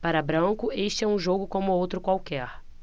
para branco este é um jogo como outro qualquer